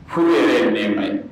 Foli yɛrɛ ye bɛn ma ye